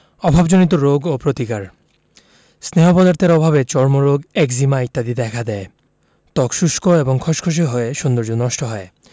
অভাবজনিত রোগ ও প্রতিকার স্নেহ পদার্থের অভাবে চর্মরোগ একজিমা ইত্যাদি দেখা দেয় ত্বক শুষ্ক এবং খসখসে হয়ে সৌন্দর্য নষ্ট হয়